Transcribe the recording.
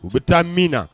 U bɛ taa min na